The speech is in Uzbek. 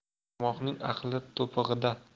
ahmoqning aqli to'pig'ida